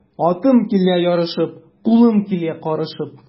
Атым килә ярашып, кулым килә карышып.